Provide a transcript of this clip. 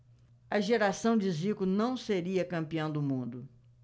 a geração de zico não seria campeã do mundo